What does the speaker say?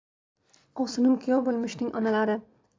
ovsinim kuyov bo'lmishning onalari